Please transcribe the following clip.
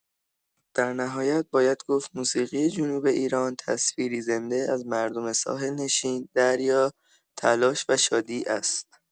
در نهایت باید گفت موسیقی جنوب ایران تصویری زنده از مردم ساحل‌نشین، دریا، تلاش و شادی است.